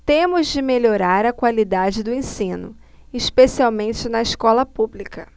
temos de melhorar a qualidade do ensino especialmente na escola pública